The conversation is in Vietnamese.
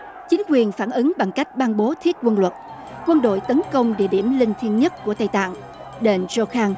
chính quyền phản ứng bằng cách ban bố thiết quân luật quân đội tấn công địa điểm linh thiêng nhất của tây tạng đền chô khang